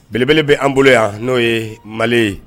Belebele bɛ an bolo yan n'o ye mali ye